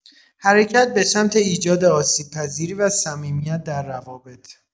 حرکت به سمت ایجاد آسیب‌پذیری و صمیمیت در روابط